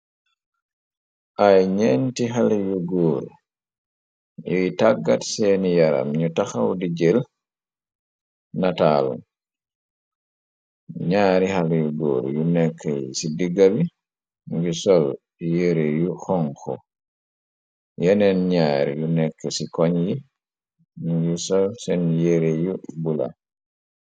Ay ñennti xale yu góor yuy tàggat seeni yaram, ñu taxaw di jël nataalum, ñaari xale yu góor yu nekk ci diggabi, ngi sol yere yu xonxo, yeneen ñaar yu nekk ci koñ yi ngi sol seen yere yu bula.